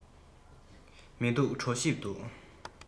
མི འདུག གྲོ ཞིབ འདུག